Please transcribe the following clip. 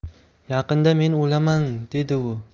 yaqinda men o'laman dedi u